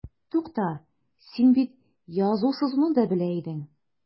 Тукта, син бит язу-сызуны да белә идең.